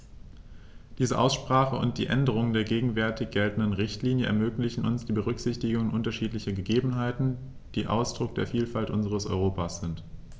Diese Aussprache und die Änderung der gegenwärtig geltenden Richtlinie ermöglichen uns die Berücksichtigung unterschiedlicher Gegebenheiten, die Ausdruck der Vielfalt unseres Europas sind.